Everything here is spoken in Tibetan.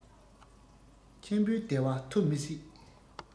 ཆེན པོའི བདེ བ ཐོབ མི སྲིད